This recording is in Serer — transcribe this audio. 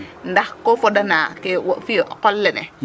Ndax ko fodanda o qol lene.